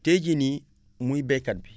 tey jii nii muy baykat bi